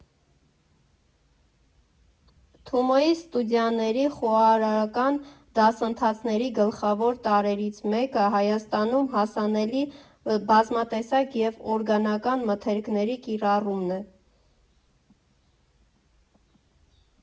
Թումոյի ստուդիաների խոհարարական դասընթացների գլխավոր տարրերից մեկը Հայաստանում հասանելի բազմատեսակ և օրգանական մթերքների կիրառումն է։